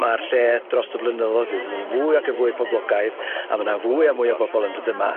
Ma'r lle dros y blynyddoedd wedi dod yn fwy ag yn fwy poblogaidd a ma' 'na fwy a mwy o bobol yn dod yma.